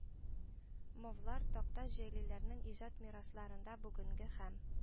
Мовлар, такташ, җәлилләрнең иҗат мирасларында бүгенге һәм